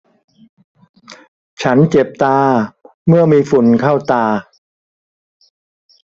ฉันเจ็บตาเมื่อมีฝุ่นเข้าตา